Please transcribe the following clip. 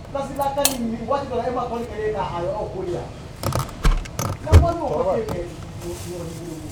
E ka la